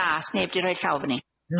Na 'o's neb 'di roid llaw fyny.